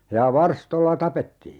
ja varstoilla tapettiin